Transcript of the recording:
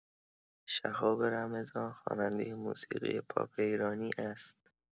شهاب رمضان خواننده موسیقی پاپ ایرانی است.